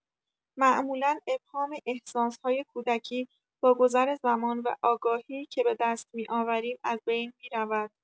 معمولا ابهام احساس‌های کودکی با گذر زمان و آگاهی که به دست می‌آوریم از بین می‌رود.